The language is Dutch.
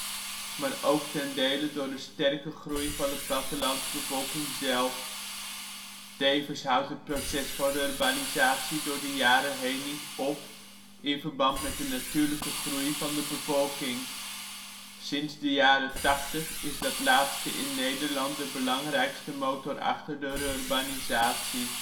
ten dele door een sterke groei van de plattelandsbevolking zelf. Tevens houdt het proces van rurbanisatie door de jaren heen niet op, in verband met de natuurlijke groei van de bevolking. Sinds de jaren tachtig is dat laatste in Nederland de belangrijkste motor achter de rurbanisatie